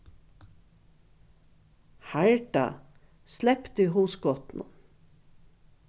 harda slepti hugskotinum